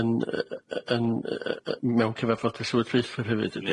yn yy yy yn yy yy mewn cyfarfodydd llywodraethwyr hefyd.